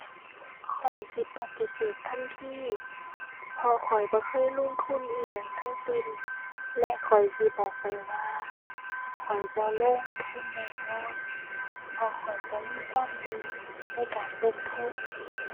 ข้อยสิปฏิเสธทันทีเพราะข้อยบ่เคยลงทุนอิหยังทั้งสิ้นและข้อยสิบอกไปว่าข้อยบ่ลงทุนแน่นอนเพราะข้อยบ่มีความรู้ในการลงทุน